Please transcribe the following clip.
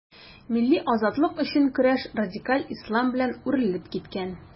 Милли азатлык өчен көрәш радикаль ислам белән үрелеп киткән.